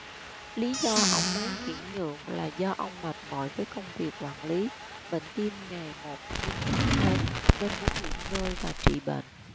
lý do ông muốn chuyển nhượng là do ông mệt mỏi với công việc quản lý bệnh tim ngày một nghiêm trọng hơn nên muốn nghỉ ngơi và trị bệnh